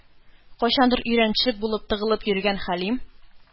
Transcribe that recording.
Кайчандыр өйрәнчек булып тагылып йөргән Хәлим